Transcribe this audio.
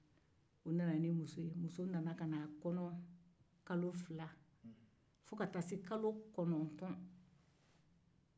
u nana ni muso ye kalo kɔnɔ kalo fila fo ka taa se kalo kɔnɔntɔn ma